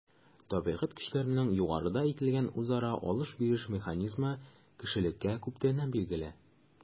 Табигать көчләренең югарыда әйтелгән үзара “алыш-биреш” механизмы кешелеккә күптәннән билгеле.